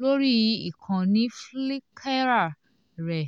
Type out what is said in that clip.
lórí ìkànnì Flickr rẹ̀.